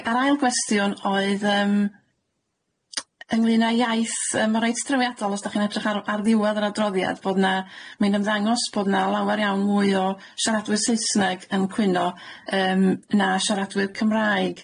A- yr ail gwestiwn oedd yym ynglŷn â iaith yym ma reit drefiadol os dach chi'n edrych ar ar ddiwedd yr adroddiad bodd na ma'n ymddangos bodd na lawer iawn mwy o siaradwyr Saesneg yn cwyno yym na siaradwyr Cymraeg.